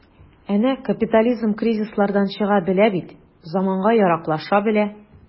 Әнә капитализм кризислардан чыга белә бит, заманга яраклаша белә.